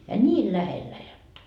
ja niin lähellä jotta